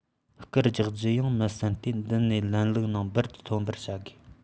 སྐར རྒྱག རྒྱུ ཡང མི སྲིད དེ འདི ནས ལམ ལུགས ནང འབུར དུ ཐོན པར བྱ དགོས